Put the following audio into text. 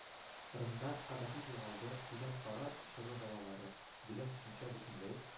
Рында “хәбәрсез югалды” дигән кара чоры балалары” дигән төшенчә бөтенләй